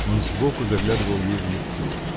Он сбоку заглядывал ей в лицо.